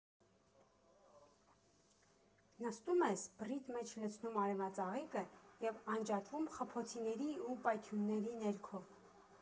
Նստում ես, բռիդ մեջ լցնում արևածաղիկը և անջատվում խփոցիների ու պայթյունների ներքո։